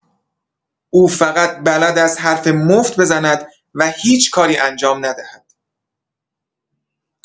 او فقط بلد است حرف مفت بزند و هیچ کاری انجام ندهد.